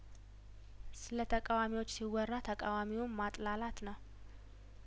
ስለተቃዋሚዎች ሲወራ ተቃዋሚውን ማጥላላት ነው